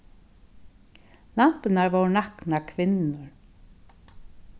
lampurnar vóru naknar kvinnur